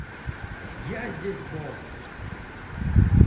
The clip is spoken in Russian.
я здесь босс